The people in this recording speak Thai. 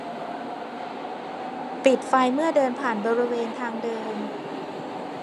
ปิดไฟเมื่อเดินผ่านบริเวณทางเดิน